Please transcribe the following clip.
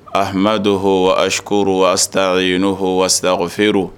Ahmaduhu askuru wa astakinuhu was tagfiru